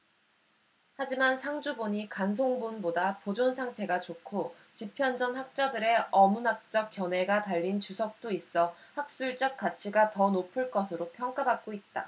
하지만 상주본이 간송본보다 보존 상태가 좋고 집현전 학자들의 어문학적 견해가 달린 주석도 있어 학술적 가치가 더 높을 것으로 평가받고 있다